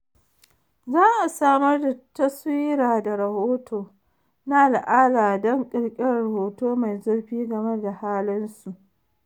Za a samar da taswira da rahoto na al'ada don ƙirƙirar hoto mai zurfi game da halin su.